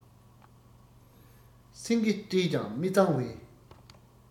སེང གེ བཀྲེས ཀྱང མི གཙང བའི